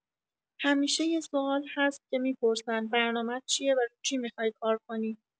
همیشۀ سوال هست که می‌پرسن برنامت چیه و رو چی میخوای کار کنی؟